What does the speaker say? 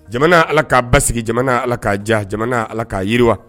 Jamana Ala k'a basigi jamana Ala k'a diya jamana Ala k'a yiriwa